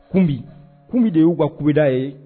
Kunbi kunbi de y'u ka kubida ye